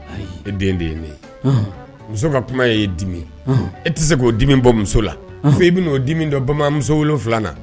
E den de ye ye muso ka kuma ye e dimi e tɛ se k'o dimi bɔ muso la fo i bɛ'o dimi dɔ bamananmuso wolonwula na